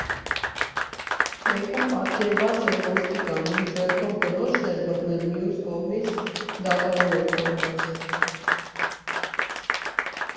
Մեկում պատկերված էր ոստիկան՝ մի ձեռքով կնոջն էր բռնել, մյուս կողմից՝ դատավոր էր կանգնած։